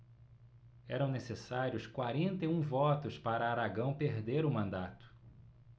eram necessários quarenta e um votos para aragão perder o mandato